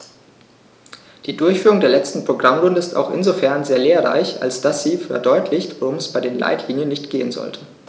Die Durchführung der letzten Programmrunde ist auch insofern sehr lehrreich, als dass sie verdeutlicht, worum es bei den Leitlinien nicht gehen sollte.